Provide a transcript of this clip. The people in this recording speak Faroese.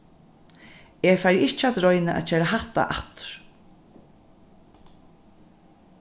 eg fari ikki at royna at gera hatta aftur